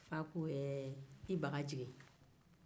fa ko i baga jigin